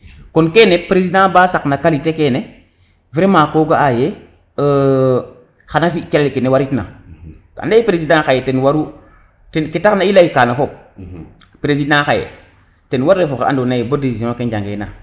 kon kene president ba saq na qualité kene vraiment ko ga aye xana fi calel ke nen warit na ande prsident xaye ten waru ten ke tax na i ley kana fop president xaye ten waru ref oxe ando naye bo decision ke njage na